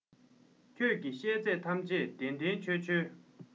ཁྱོད ཀྱིས བཤད ཚད ཐམས ཅད བདེན བདེན འཆོལ འཆོལ